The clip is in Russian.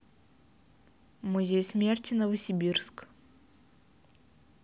музей смерти новосибирск